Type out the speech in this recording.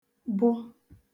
bụ